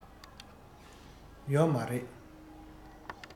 ཡོད མ རེད